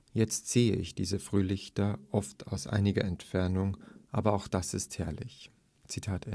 Jetzt sehe ich diese Frühlichter oft aus einiger Entfernung, aber auch das ist herrlich. “Seit